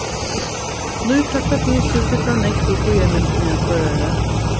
nýklaktar pisur fylla nógv í býarmyndini á tvøroyri